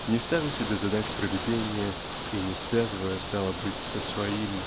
не ставя себе задач Провидения и не связывая стало быть с своим